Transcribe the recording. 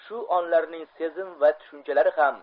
shu onlarning sezim va tushunchalari ham